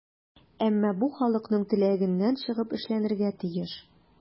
Әмма бу халыкның теләгеннән чыгып эшләнергә тиеш.